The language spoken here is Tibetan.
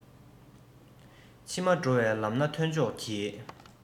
ཕྱི མ འགྲོ བའི ལམ ལ ཐོན ཆོག གྱིས